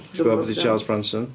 Ti'n gwbod pwy 'di Charles Bronson?